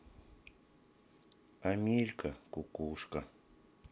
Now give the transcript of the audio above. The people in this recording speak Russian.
амелька кукушка